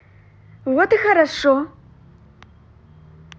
вот и хорошо